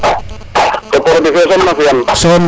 to produit fe som na fiyan